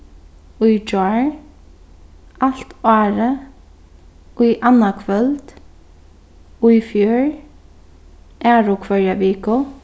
í gjár alt árið í annaðkvøld í fjør aðru hvørja viku